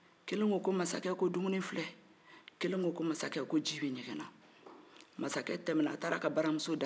kelen ko ko mansakɛ ji bɛ ɲɛgɛn na mansakɛ tɛmɛna a taara a ka baramuso da yɔrɔ filɛ